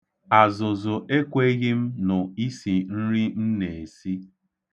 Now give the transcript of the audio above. Azụzụ ekweghị m nụ isi nri m na-esi.